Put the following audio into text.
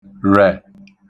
rẹ̀